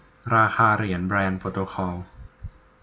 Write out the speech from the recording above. ราคาเหรียญแบรนด์โปรโตคอล